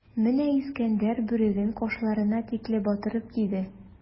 Менә Искәндәр бүреген кашларына тикле батырып киде.